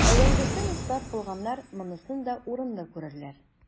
Әүвәлгесен исбат кылганнар монысын да урынлы күрерләр.